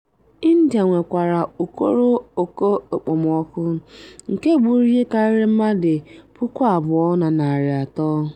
India nwekwara ukoro oke okpomọkụ nke gburu ihe karịrị mmadụ 2,300.